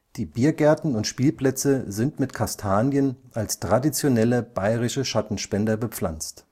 Die Biergärten und Spielplätze sind mit Kastanien als traditionelle bayerische Schattenspender bepflanzt